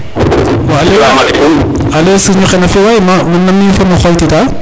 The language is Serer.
alo serigne oxe nam fi'o waay nam nam ne'e fo mam o xooytitaa?